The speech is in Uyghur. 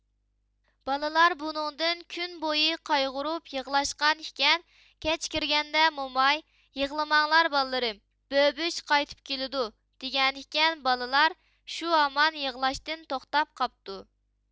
بالىلار بۇنىڭدىن كۈنبويى قايغۇرۇپ يىغلاشقان ئىكەن كەچ كىرگەندە موماي يىغلىماڭلار بالىلىرىم بۆبۈش قايتىپ كېلىدۇ دېگەنىكەن بالىلار شۇ ھامان يىغلاشتىن توختاپ قاپتۇ